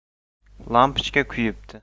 lampochka kuyibdi